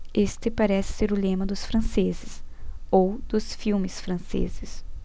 este parece ser o lema dos franceses ou dos filmes franceses